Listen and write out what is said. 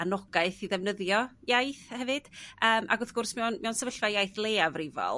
anogaeth i ddefnyddio iaith hefyd. Yym ac wrth gwrs mewn sefyllfa iaith leiafrifol